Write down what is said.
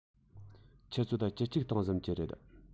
ཆུ ཚོད བཅུ གཅིག སྟེང གཟིམ གྱི རེད